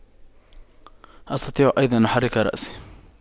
أستطيع أيضا أحرك رأسي